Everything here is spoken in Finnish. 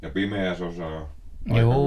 ja pimeässä osaa aika hyvin